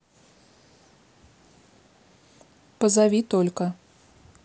позови только